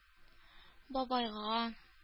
Бабайга